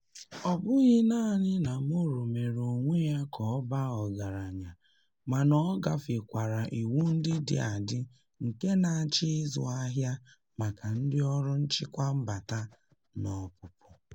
Ọ bụghị naanị na Moro mere onwe ya ka ọ baa ọgaranya mana ọ gafekwara iwu ndị dị adị nke na-achị ịzụ ahịa maka ndị Ọrụ Nchịkwa Mbata na Ọpụpụ.